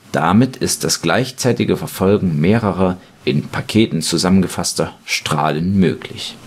Damit ist das gleichzeitige Verfolgen mehrerer, in „ Paketen “zusammengefasster, Strahlen möglich